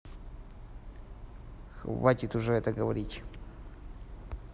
хватит уже это говорить